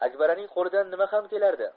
akbaraning qo'lidan nima ham kelardi